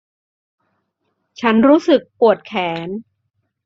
ฉันรู้สึกปวดแขน